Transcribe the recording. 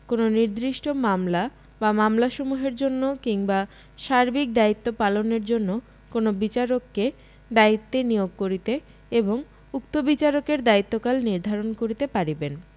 কোন নির্দিষ্ট মামলা বা মামলাসমূহের জন্য কিংবা সার্বিক দায়িত্ব পালনের জন্য কোন বিচারককে দায়িত্বে নিয়োগ করিতে এবং উক্ত বিচারকের দায়িত্বকাল নির্ধারণ করিতে পারিবেন